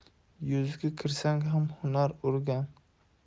yuzga kirsang ham hunar o'rgan